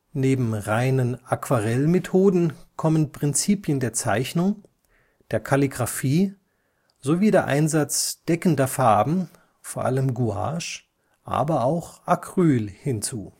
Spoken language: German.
Neben reinen Aquarellmethoden kommen Prinzipien der Zeichnung, der Kalligraphie sowie der Einsatz deckender Farben, vor allem Gouache, aber auch Acryl, hinzu